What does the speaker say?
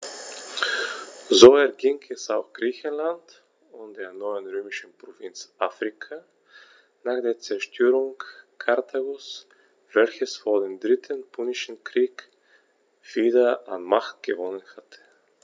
So erging es auch Griechenland und der neuen römischen Provinz Afrika nach der Zerstörung Karthagos, welches vor dem Dritten Punischen Krieg wieder an Macht gewonnen hatte.